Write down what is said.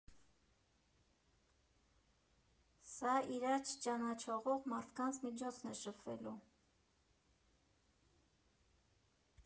Սա իրար չճանաչողող մարդկանց միջոցն է շփվելու։